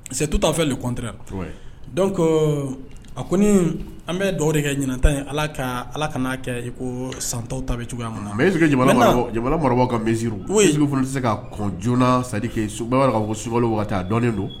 C 'est tout a fait le contraie, donc a kɔni , an bɛ dugawu de kɛ ɲina ta in allah _ ka kɛ, allah ka n'a kɛ i ko santɔw ta bi cogoya min na , mais est - ce que jamana marabaaw ka mesures, oui, est ce que olu tɛ se ka kɔn joona c'a dire que bɛɛ b'a don k'a fɔ sun kalo wagati a dɔnnen don.